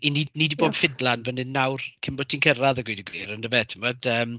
Y' ni... ni 'di bod yn ffidlan fan hyn nawr cyn bod ti'n cyrraedd a gweud y gwir, yndyfe, t'mod yym.